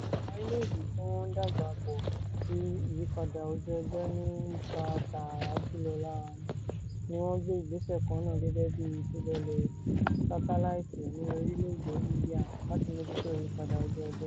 Àwọn orílẹ̀-èdè tí wọ́n ń dàgbà bọ̀ tí ìyípadà ojú ọjọ́ ní ipa tààrà jùlọ lára wọn, ni wọ́n gbé ìgbésẹ̀ kannáà gẹ́gẹ́ bíi ti ìfilọ́lẹ̀ sátáláìtì ní orílẹ̀-èdè India láti mójútó ìyípadà ojú ọjọ́.